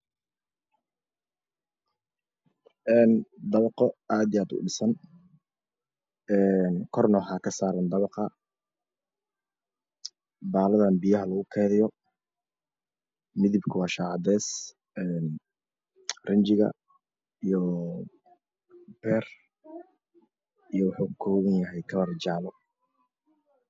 Halkan waxaa kuyalo dabaqyo kalar kode waa cadan iyo cades qahwi iyo jale